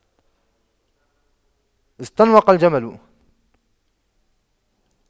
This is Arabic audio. استنوق الجمل